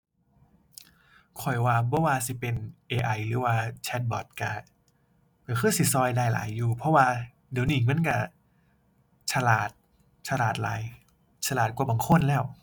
ข้อยว่าบ่ว่าสิเป็น AI หรือว่าแชตบอต ก็ ก็คือสิก็ได้หลายอยู่ เพราะว่าเดี๋ยวนี้มันก็ฉลาด ฉลาดหลาย ฉลาดกว่าบางคนแล้ว